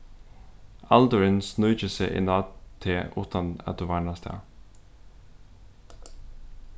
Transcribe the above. aldurin sníkir seg inn á teg uttan at tú varnast tað